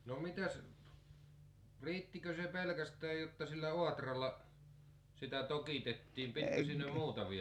no mitäs riittikö se pelkästään jotta sillä auralla sitä tokitettiin pitikö siinä muuta vielä